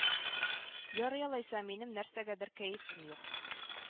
Ярый алайса минем нәрсәгәдер кәефем юк